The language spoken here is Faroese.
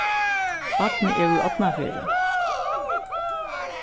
barnið er úr árnafirði